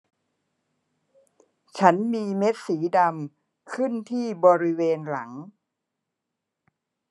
ฉันมีเม็ดสีดำขึ้นที่บริเวณหลัง